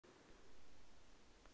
это с каким еще нахуй условия